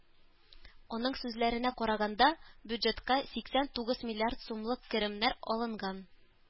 Аның сүзләренә караганда, бюджетка сиксән тугыз миллиард сумлык керемнәр алынган.